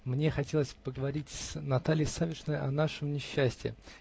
Мне хотелось поговорить с Натальей Савишной о нашем несчастии